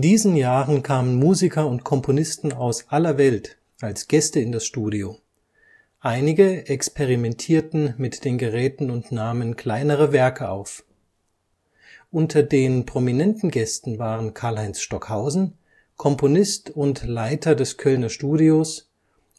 diesen Jahren kamen Musiker und Komponisten aus aller Welt als Gäste in das Studio, einige experimentierten mit den Geräten und nahmen kleinere Werke auf. Unter den prominenten Gästen waren Karlheinz Stockhausen, Komponist und Leiter des Kölner Studios,